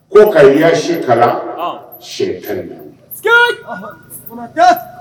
Ko ka yaa sikala sɛ